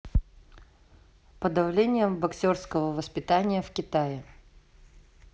подавление боксерского восстания в китае